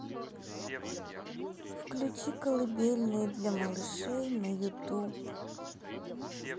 включи колыбельные для малышей на ютуб